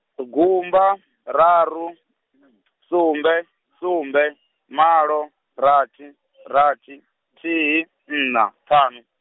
gumba, raru, sumbe, sumbe , malo, rathi , rathi, thihi, nṋa, ṱhanu.